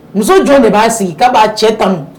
Muso jɔn de b'a sigi k ka'a cɛ tan